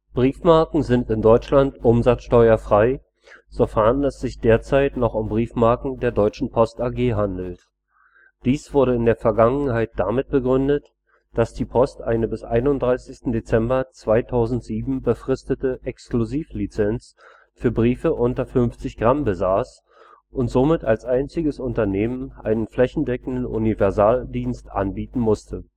Briefmarken sind in Deutschland umsatzsteuerfrei, sofern es sich derzeit noch um Briefmarken der Deutschen Post AG handelt. Dies wurde in der Vergangenheit damit begründet, dass die Post eine bis 31. Dezember 2007 befristete Exklusivlizenz für Briefe unter 50 Gramm besaß und somit als einziges Unternehmen einen flächendeckenden Universaldienst anbieten musste